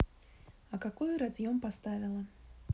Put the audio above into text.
а какой разъем поставила